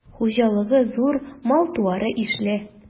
Хуҗалыгы зур, мал-туары ишле.